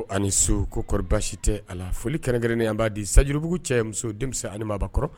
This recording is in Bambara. Ani so koɔri basisi tɛ a la foli kɛrɛnnen an b'a di sajurubugu cɛ muso denmisɛnnin ani mabɔ kɔrɔ